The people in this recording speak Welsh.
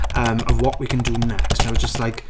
yym of what we can do next. I was just like...